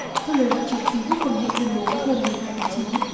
theo lời ngoại trưởng trung quốc vương nghị tuyên bố hôm mười hai tháng chín